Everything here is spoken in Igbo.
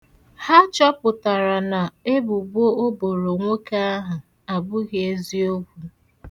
Ha chọpụtara na ebubo o boro nwoke ahụ abụghị eziokwu